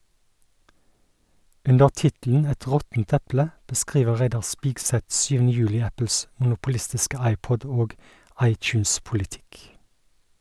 Under tittelen "Et råttent eple" beskriver Reidar Spigseth 7. juli Apples monopolistiske iPod- og iTunes-politikk.